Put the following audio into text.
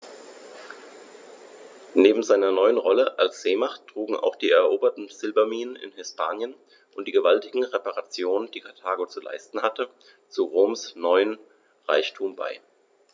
Neben seiner neuen Rolle als Seemacht trugen auch die eroberten Silberminen in Hispanien und die gewaltigen Reparationen, die Karthago zu leisten hatte, zu Roms neuem Reichtum bei.